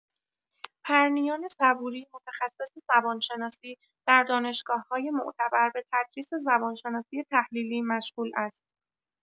پرنیان صبوری، متخصص زبان‌شناسی، در دانشگاه‌‌های معتبر به تدریس زبان‌شناسی تحلیلی مشغول است.